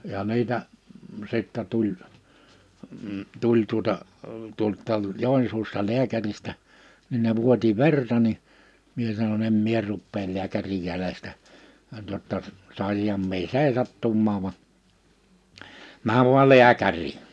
ja niitä sitten tuli tuli tuota tuolta Joensuusta lääkäristä niin ne vuoti verta niin minä sanoin en minä rupea lääkärin jäljestä jotta saisinhan minä seisahtumaan vaan mene vain lääkäriin